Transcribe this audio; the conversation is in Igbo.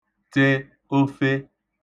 te ofe